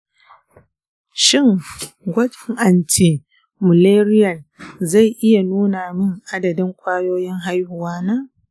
shin gwajin anti-müllerian zai iya nuna min adadin ƙwayayen haihuwa na?